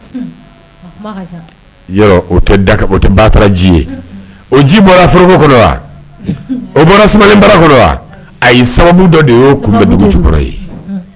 Ji bɔra o bɔrabara a sababu dɔ de kun dugu ye